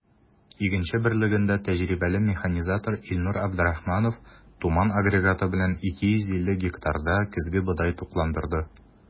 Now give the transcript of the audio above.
“игенче” берлегендә тәҗрибәле механизатор илнур абдрахманов “туман” агрегаты белән 250 гектарда көзге бодай тукландырды.